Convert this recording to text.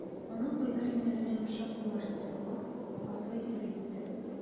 Аның кайнар иңнәренә йомшак кулларын салып, назлы итеп әйтте.